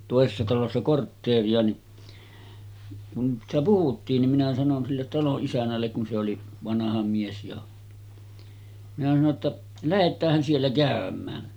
toisessa talossa kortteeria niin kun sitä puhuttiin niin minä sanoin sille talon isännälle kun se oli vanha mies jo minä sanoin jotta lähdetäänhän siellä käymään